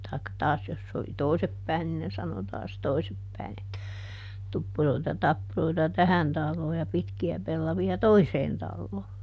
tai taas jos se oli toisin päin niin ne sanoi taas toisin päin että tuppuroita tappuroita tähän taloon ja pitkiä pellavia toiseen taloon